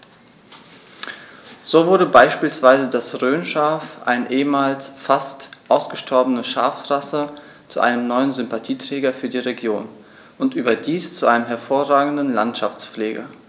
So wurde beispielsweise das Rhönschaf, eine ehemals fast ausgestorbene Schafrasse, zu einem neuen Sympathieträger für die Region – und überdies zu einem hervorragenden Landschaftspfleger.